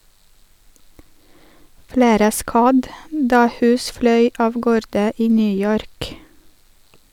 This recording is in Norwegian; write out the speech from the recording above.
Flere ble skadd da hus fløy av gårde i New York.